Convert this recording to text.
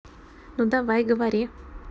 ну давай говори